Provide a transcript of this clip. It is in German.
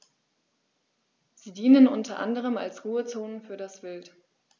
Sie dienen unter anderem als Ruhezonen für das Wild.